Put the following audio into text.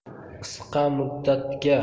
qisqa muddatga